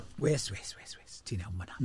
Wes, wes, wes, wes, ti'n iawn ma'na.